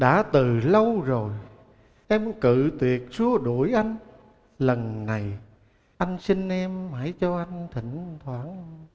đã từ lâu rồi em cự tuyệt xua đuổi anh lần này anh xin em hãy cho anh thỉnh thoảng